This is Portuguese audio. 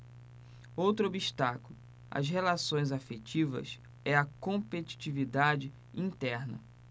outro obstáculo às relações afetivas é a competitividade interna